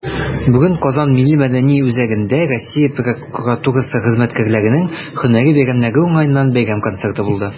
Бүген "Казан" ММҮдә Россия прокуратурасы хезмәткәрләренең һөнәри бәйрәмнәре уңаеннан бәйрәм концерты булды.